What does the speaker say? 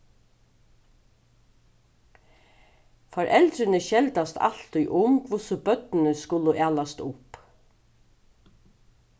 foreldrini skeldast altíð um hvussu børnini skulu alast upp